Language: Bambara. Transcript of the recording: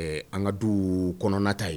Ɛɛ an ka du kɔnɔnanata ye